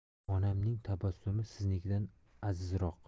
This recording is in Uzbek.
onamning tabassumi siznikidan azizroq